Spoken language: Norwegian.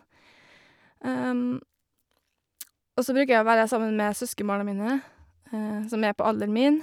Og så bruker jeg å være sammen med søskenbarna mine, som er på alderen min.